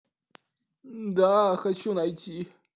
да хочу найти